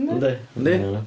Yndi... Yndi... Yndi?